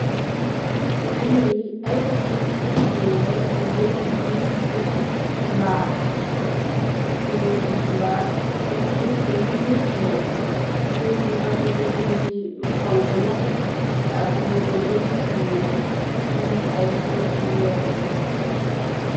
Lii aiiy kusi gigain la, gigain njungy gis mbaah, su njoi giss mbaah kussyii leh njui jeufandoh, kussyii packeti kussyi yu khonku la, ak yu bleu, yu njull, fii aiiy kuss yu wekh la.